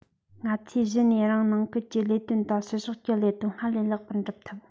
ང ཚོས གཞི ནས རང ནང ཁུལ གྱི ལས དོན དང ཕྱི ཕྱོགས ཀྱི ལས དོན སྔར ལས ལེགས པར འགྲུབ ཐུབ